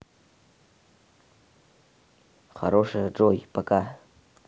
хорошая джой пока